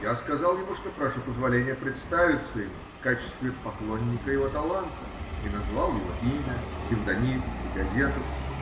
Я сказал ему, что прошу позволения представиться ему в качестве поклонника его таланта, и назвал его имя, псевдоним и газету.